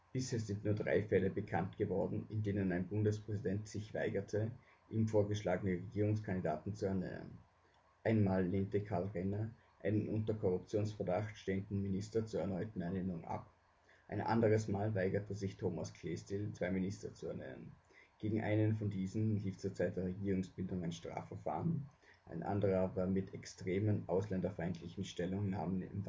Bisher sind nur drei Fälle bekannt geworden, in denen ein Bundespräsident sich weigerte ihm vorgeschlagene Regierungskandidaten zu ernennen. Einmal lehnte Karl Renner einen unter Korruptionsverdacht stehenden Minister zur erneuten Ernennung ab, ein anderes Mal weigerte sich Thomas Klestil zwei Minister zu ernennen. Gegen einen von diesen lief zur Zeit der Regierungsbildung ein Strafverfahren, ein andere war mit extremen ausländerfeindlichen Stellungnahmen